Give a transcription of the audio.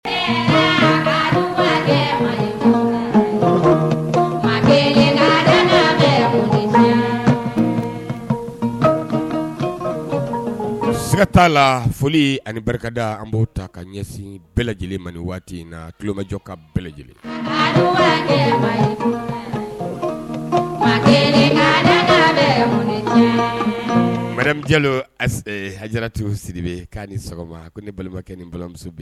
Siga t'a la foli ani barika da an b'o ta ka ɲɛsin bɛɛ lajɛlen mali waati n na tulolomajɔ ka bɛɛ lajɛlenjɛ atigiw siribi k'a ni sɔgɔma ko ni balimabakɛ ni balimamuso